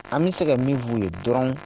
An bɛ se ka min' ye dɔrɔn